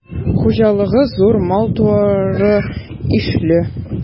Хуҗалыгы зур, мал-туары ишле.